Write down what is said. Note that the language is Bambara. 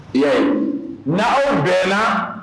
Ee na aw bɛɛ la